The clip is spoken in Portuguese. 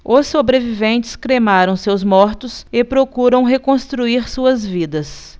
os sobreviventes cremaram seus mortos e procuram reconstruir suas vidas